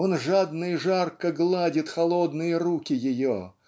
он жадно и жарко гладит холодные руки ее